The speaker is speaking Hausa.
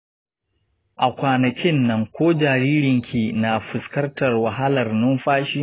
a kwanakin nan, ko jaririnki na fuskantar wahalar numfashi?